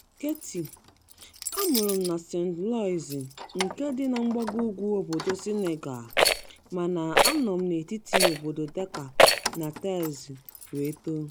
Keyti: a mụrụ m na Saint-Louis nke dị na mgbagougwu obodo Senegal, mana anọ m n'etiti obodo Dakar na Thies wee too.